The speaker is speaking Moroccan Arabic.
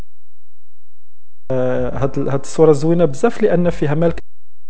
صوره زوينه بزاف لانه فيها